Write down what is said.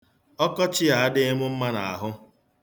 ̣Ọkọchị a adịghị m mma n'ahụ.